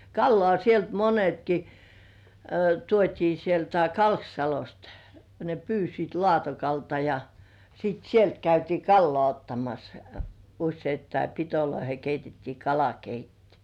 kalaa sieltä monetkin tuotiin sieltä Kalksalosta ne pyysivät Laatokalta ja sitten sieltä käytiin kalaa ottamassa useittain pitoihin keitettiin kalakeitto